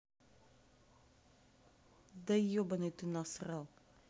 да ебаный ты насрал